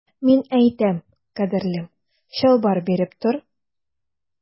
Мин әйтәм, кадерлем, чалбар биреп тор.